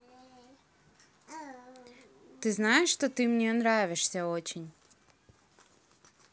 ты знаешь что ты мне нравишься очень